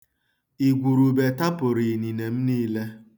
Igwurube tapụrụ inine m niile.